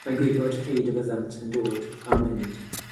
Mae'n gwybod pryd y byddant yn dod a mynd.